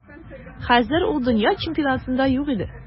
Хәзер ул дөнья чемпионатында юк иде.